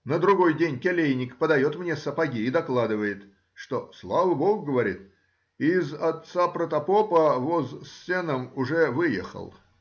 На другой день келейник подает мне сапоги и докладывает, что слава богу, говорит, из отца протопопа воз с сеном уже выехал.